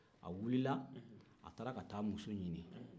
a wilila a taara ka taa muso ɲini